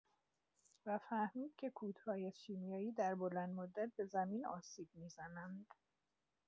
و فهمید که کودهای شیمیایی در بلندمدت به زمین آسیب می‌زنند.